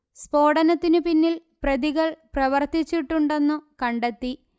സ്ഫോടനത്തിനു പിന്നിൽ പ്രതികൾ പ്രവർത്തിച്ചിട്ടുണ്ടെന്നു കണ്ടെത്തി